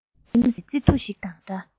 བསྐམས ཟིན པའི རྩི ཐུར ཞིག དང འདྲ